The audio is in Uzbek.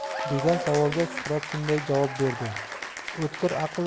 degan savolga suqrot shunday javob berdi otkir